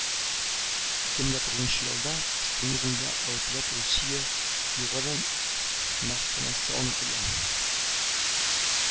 Ике мең дә тугызынчы елда экстремизмда гаепләп русия югары мәхкәмәсе аны тыя